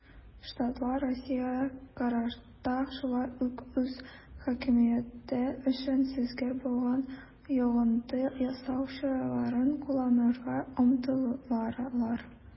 Штатлар Россиягә карата шулай ук үз хакимияте өчен сизгер булган йогынты ясау чараларын кулланырга омтылалар.